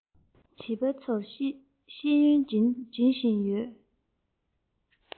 བྱིས པ ཚོར ཤེས ཡོན སྦྱིན བཞིན ཡོད